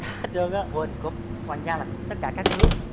hết luôn uôn cúp hoàng gia là tất cả các nước